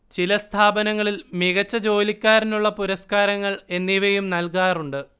ചില സ്ഥാപനങ്ങളിൽ മികച്ച ജോലിക്കാരനുള്ള പുരസ്കാരങ്ങൾ എന്നിവയും നൽകാറുണ്ട്